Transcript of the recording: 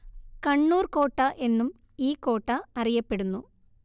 കണ്ണൂര്‍ കോട്ട എന്നും ഈ കോട്ട അറിയപ്പെടുന്നു